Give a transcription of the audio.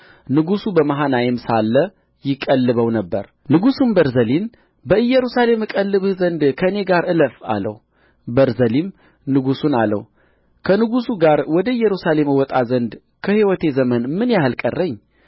ንጉሡ በመሃናይም ሳለ ይቀልበው ነበር ንጉሡም ቤርዜሊን በኢየሩሳሌም እቀልብህ ዘንድ ከእኔ ጋር እለፍ አለው ቤርዜሊም ንጉሡን አለው ከንጉሡ ጋር ወደ ኢየሩሳሌም እወጣ ዘንድ ከሕይወቴ ዘመን ምን ያህል ቀረኝ